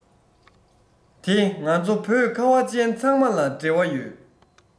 དེ ང ཚོ བོད ཁ བ ཅན ཚང མ ལ འབྲེལ བ ཡོད